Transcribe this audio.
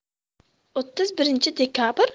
o'ttiz birinchi dekabr